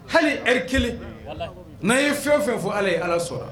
Hali ri kelen n'a ye fɛn fɛn fɔ ala ye ala sɔnna